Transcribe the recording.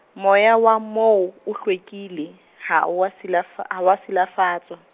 moya wa moo o hlwekile, ha oa silafa-, ha wa silafatswa.